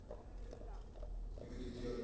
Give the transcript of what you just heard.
нигатив триада